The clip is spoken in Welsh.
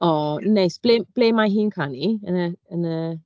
O, neis, ble ble mae hi'n canu? Yn y yn y...